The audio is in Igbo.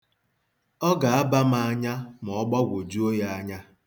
Ọ ga-aba m anya ma ọ gbagwojuo ya anya.